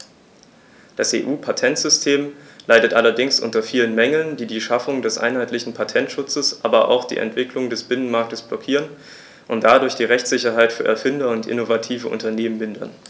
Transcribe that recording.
Das EU-Patentsystem leidet allerdings unter vielen Mängeln, die die Schaffung eines einheitlichen Patentschutzes, aber auch die Entwicklung des Binnenmarktes blockieren und dadurch die Rechtssicherheit für Erfinder und innovative Unternehmen mindern.